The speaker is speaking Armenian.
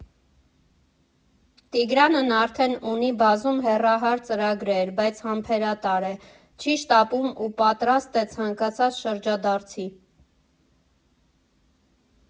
Տիգրանն արդեն ունի բազում հեռահար ծրագրեր, բայց համբերատար է, չի շտապում ու պատրաստ է ցանկացած շրջադարձի.